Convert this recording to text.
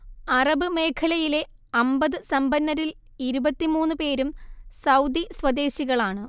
Arab മേഖലയിലെ അമ്പത് സമ്പന്നരിൽ ഇരുപത്തിമൂന്നു പേരും സൗദി സ്വദേശികളാണ്